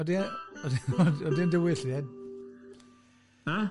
Odi o'n dywyll ie?